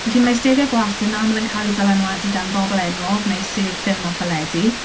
Felly mae steiliau gwallt yn aml yn cael eu dylanwadu gan bobl enwog, neu sêr ffilm a theledu.